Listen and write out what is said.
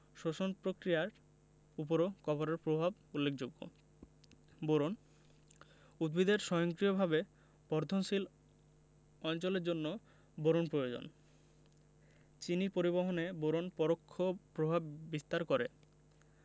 শ্বসন প্রক্রিয়ার উপরও কপারের প্রভাব উল্লেখযোগ্য বোরন উদ্ভিদের সক্রিয়ভাবে বর্ধনশীল অঞ্চলের জন্য বোরন প্রয়োজন চিনি পরিবহনে বোরন পরোক্ষ প্রভাব বিস্তার করে